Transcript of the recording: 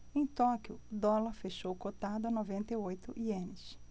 em tóquio o dólar fechou cotado a noventa e oito ienes